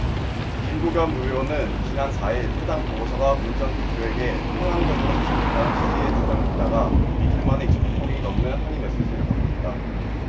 김부겸 의원은 지난 사 일 해당 보고서가 문 전 대표에게 편향적으로 작성됐다는 취지의 주장을 했다가 이틀 만에 이천 통이 넘는 항의 메시지를 받았다